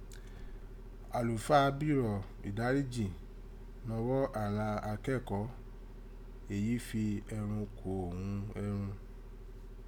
Àlùfáà bírọ̀ ìdáríjì nọ́wọ́ àghan akẹ́kọ̀ọ́ èyí fi ẹrun kò ghun ẹrun.